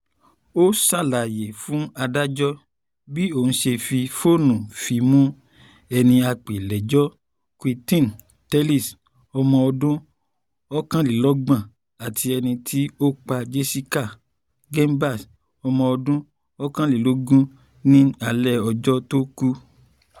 Ó ṣàlàyé fún adájọ́ bí òun ṣe fi fóònù fíìmù ẹniàpélẹ́jọ́, Quinton Tellis, ọmọ ọdún 29, àti ẹni tí ó pa, Jessica Chambers, ọmọ ọdún 19, ní alẹ́ ọjọ́ tó kú.